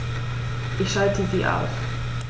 Ich schalte sie aus.